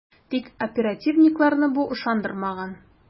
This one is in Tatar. Тик оперативникларны бу ышандырмаган ..